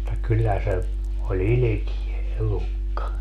mutta kyllä se oli ilkeä elukka